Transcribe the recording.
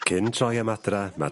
Cyn troi am adra ma'...